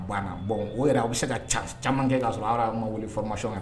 O a bɛ se ka caman kɛ k ka sɔrɔ ma wulimasiyara